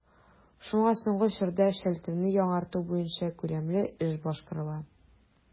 Шуңа соңгы чорда челтәрне яңарту буенча күләмле эш башкарыла.